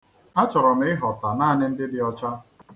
A chọrọ m ịhọta naanị ndi dị ọcha.